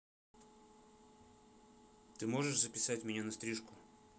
ты можешь записать меня на стрижку